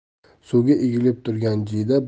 suvga egilib turgan jiyda